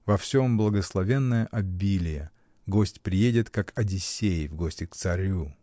Во всем благословенное обилие: гость приедет — как Одиссей в гости к царю.